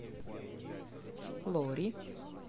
лори